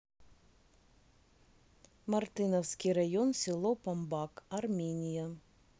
мартыновский район село памбак армения